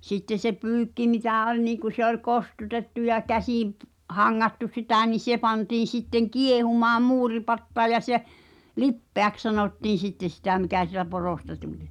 sitten se pyykki mitä oli niin kun se oli kostutettu ja käsiin - hangattu sitä niin se pantiin sitten kiehumaan muuripataan ja se lipeäksi sanottiin sitten sitä mikä siitä porosta tuli